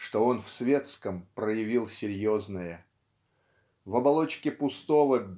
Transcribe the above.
что он в светском проявил серьезное. В оболочке пустого